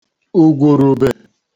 ùgwùrùbè